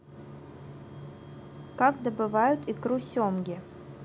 как добывают икру семги